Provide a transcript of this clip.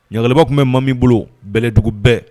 Ɲliba tun bɛ ma min bolo bɛlɛdugu bɛɛ